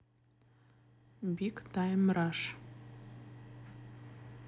биг тайм раш